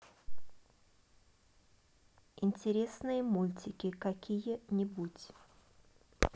интересные мультики какие нибудь